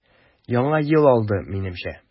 Яңа ел алды, минемчә.